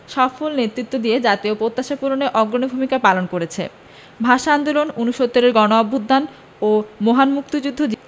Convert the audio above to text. সফল নেতৃত্ব দিয়ে জাতীয় প্রত্যাশা পূরণে অগ্রণী ভূমিকা পালন করেছে ভাষা আন্দোলন উনসত্তুরের গণঅভ্যুত্থান এবং মহান মুক্তিযুদ্ধ